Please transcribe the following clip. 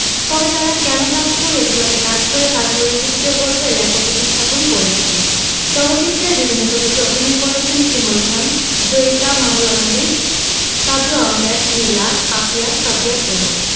তবে তারা কেন কাজ করে কিভাবে কাজ করে তা শরীরবৃত্তীয় গল্পে লেখক উপস্থাপন করেছেন চলচ্চিত্রের বিভিন্ন চরিত্র অভিনয় করেছেন শিমুল খান জয়িতা মাহলানোবিশ সাজু আহমেদ নীলা পাপিয়া সাদিয়া প্রমুখ